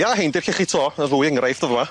Ie rhein 'dir llechi to y ddwy enghraifft y' fyma.